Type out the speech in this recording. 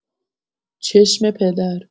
چشم پدر